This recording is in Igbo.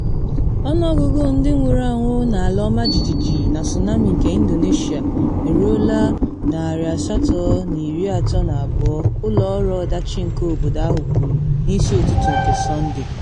Ọnụọgụgụ ndị nwụrụ anwụ na ala ọmajijiji na tsunami nke Indonesia eruola 832, ụlọ ọrụ ọdachi nke obodo ahụ kwuru na isi ụtụtụ nke Sonde.